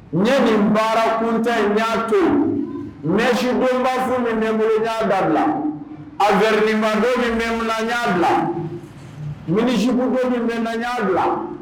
N ye nin baara kuntan in, n y'a to yen mèche donba fu min bɛ n bolo, n y'a dabila, a verni ba dɔn min bɛ n na, n y'a dabila, mini jupe Ko min bɛna n ɲ'a bila.